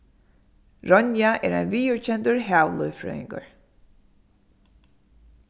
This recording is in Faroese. ronja er ein viðurkendur havlívfrøðingur